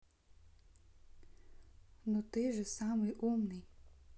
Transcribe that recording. ну ты же самый умный